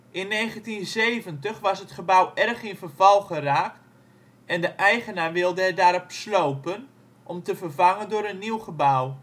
In 1970 was het gebouw erg in verval geraakt en de eigenaar wilde het daarop slopen om te vervangen door een nieuw gebouw